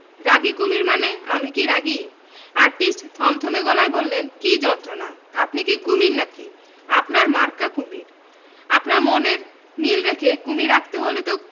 রাগী কুমীর মানে আমি কি রাগী আর্টিস্ট থমথমে গলায় বললেন কি যন্ত্রণা আপনি কি কুমীর না কি আপনার মার্কা কুমীর আপনার মনের মিল রেখে কুমীর আঁকতে হলে তো